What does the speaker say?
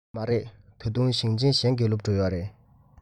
མ རེད ད དུང ཞིང ཆེན གཞན གྱི སློབ ཕྲུག ཡོད རེད